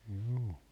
juu